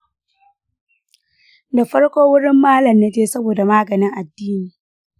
da farko wurin malam naje saboda maganin addini.